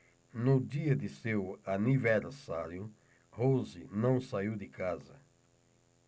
no dia de seu aniversário rose não saiu de casa